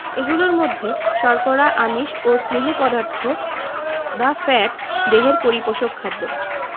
এগুলোর মধ্যে শর্করা আমিষ ও স্নেহ পদার্থ বা ফ্যাট দেহ পরিপোষক খাদ্য